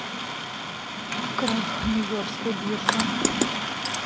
крах нью йоркской биржи